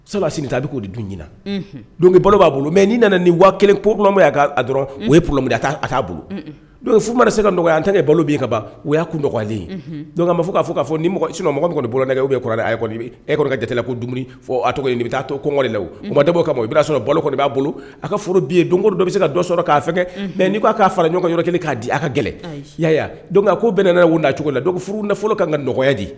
Sabu sigi a bɛ k'o dun donke balo b'a bolo mɛ n' nana nin wa kelen dɔrɔn o p t'a bolo furu se ka nɔgɔya an tɛ min ka ban o y' kun nɔgɔlen'a k'a fɔ' fɔmɔgɔ kɔni boloɛgɛ kɔrɔ e kɔrɔkɛ ko dum fɔ a cogo bɛ taa to la kama i sɔrɔ b'a bolo a ka dɔ bɛ se ka dɔ sɔrɔ k'a kɛ mɛ'' k'a fara ɲɔgɔn yɔrɔ kelen k'a di a ka gɛlɛn ya ko bɛn' cogo la furu fɔlɔ ka ka nɔgɔyakɔ di